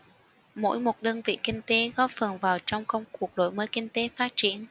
mỗi một đơn vị kinh tế góp phần vào trong công cuộc đổi mới kinh tế phát triển